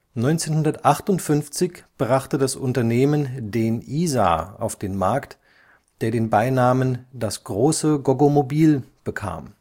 1958 brachte das Unternehmen den Isar auf den Markt, der den Beinamen das große Goggomobil bekam